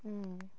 M-hm.